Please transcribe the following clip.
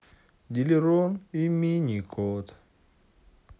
дилирон и миникот